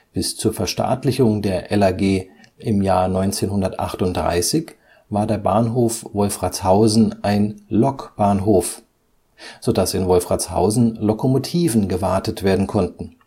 Bis zur Verstaatlichung der LAG im Jahr 1938 war der Bahnhof Wolfratshausen ein Lokbahnhof, sodass in Wolfratshausen Lokomotiven gewartet werden konnten